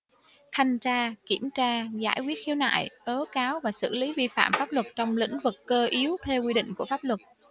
thanh tra kiểm tra giải quyết khiếu nại tố cáo và xử lý vi phạm pháp luật trong lĩnh vực cơ yếu theo quy định của pháp luật